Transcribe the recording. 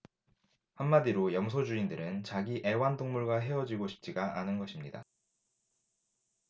한마디로 염소 주인들은 자기 애완동물과 헤어지고 싶지가 않은 것입니다